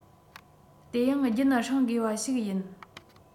དེ ཡང རྒྱུན བསྲིང དགོས པ ཞིག ཡིན